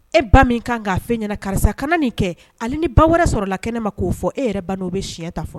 E ba min kan k'a fɛn ɲɛna karisa kana ni kɛ ale ni ba wɛrɛ sɔrɔ la kɛnɛ ne ma k'o fɔ e yɛrɛ ban n'o bɛ siɲɛ ta fɔ